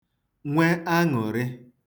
nwe aṅụ̀rị